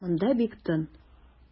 Монда бик тын.